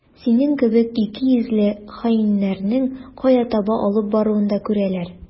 Синең кебек икейөзле хаиннәрнең кая таба алып баруын да күрәләр.